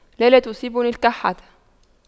لا لا تصيبني الكحة